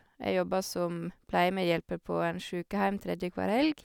Jeg jobber som pleiemedhjelper på en sjukeheim tredjehver helg.